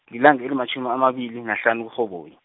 lilanga elimatjhumi amabili nahlanu kuRhoboyi.